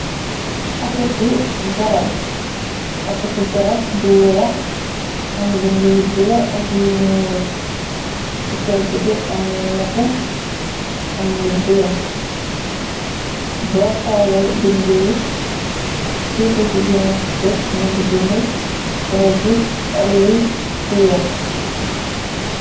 Pakketu garab bu weex am bindi yi bola ak yu ñuul ci pegg bi am lu nete am lu bula bo xoole bindi yi steto cy ginnesus ningi bind progis eli feex.